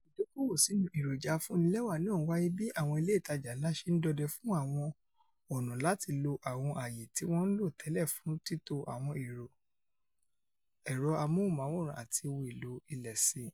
Ìdókòòwò sínú èròjà afúnnilẹ́wà náà ńwáyé bí àwọn ilé ìtajà ńlá ṣe ńdọdẹ fún àwọn ọ̀nà láti lo àwọn àayè tí wọn ńlò tẹ́lẹ̀ fún títo àwọn ẹ̀rọ amóhùnmáwòrán àti ohun èlò ilé sí.